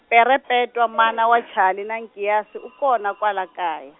Perepetwa mana wa Chali na Nkiyasi u kona kwala kaya.